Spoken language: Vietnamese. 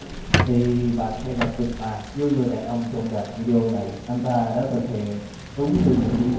thì bạn sẽ gặp được ma như người đàn ông trong đoạn video này anh ta đã thực hiện đúng như những chỉ dẫn